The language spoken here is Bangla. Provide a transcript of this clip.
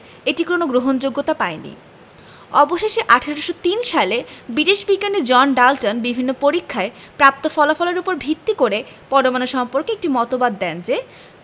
এটি কোনো গ্রহণযোগ্যতা পায়নি অবশেষে ১৮০৩ সালে ব্রিটিশ বিজ্ঞানী জন ডাল্টন বিভিন্ন পরীক্ষায় প্রাপ্ত ফলাফলের উপর ভিত্তি করে পরমাণু সম্পর্কে একটি মতবাদ দেন যে